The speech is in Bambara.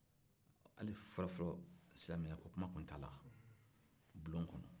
hali fɔlɔfɔlɔ silamɛyakokuma tun t'a la bulon kɔnɔ